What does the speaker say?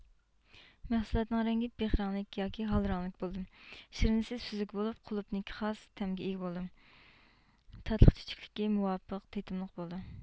مەھسۇلاتنىڭ رەڭگى بېخرەڭلىك ياكى ھال رەڭلىك بولىدۇ شىرنىسى سۈزۈك بولۇپ قۇلۇبنىككە خاس تەمگە ئىگە بولىدۇ تاتلىق چۈچۈكلۈكى مۇۋاپىق تېتىملىق بولىدۇ